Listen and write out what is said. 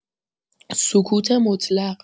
سکوت مطلق